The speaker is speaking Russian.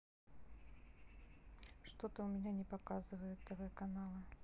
что то у меня не показывают тв каналы